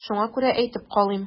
Шуңа күрә әйтеп калыйм.